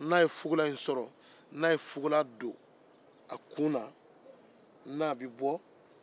n'a ye fugulan in don a kun